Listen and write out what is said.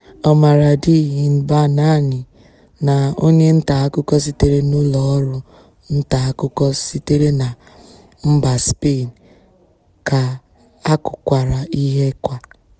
Omar Radi, Hind Bannani, na onye nta akụkọ sitere n'ụlọ ọrụ nta akụkọ sitere na mba Spain ka akụkwara ihe kwa.